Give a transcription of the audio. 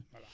voilà